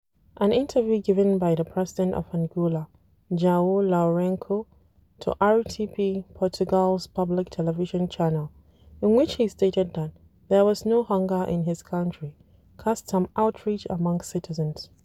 An interview given by the President of Angola João Lourenço to RTP, Portugal’s public television channel, in which he stated that there was no hunger in his country, caused some outrage among citizens.